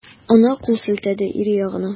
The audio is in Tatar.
Ана кул селтәде ире ягына.